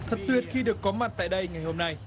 thật tuyệt khi được có mặt tại đây ngày hôm nay